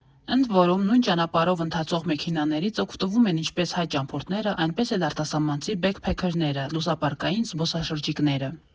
Ընդ որում, նույն ճանապարհով ընթացող մեքենաներից օգտվում են ինչպես հայ ճամփորդները, այնպես էլ արտասահամանցի բեքփեքըրները («ուսապարկային զբոսաշրջիկները»).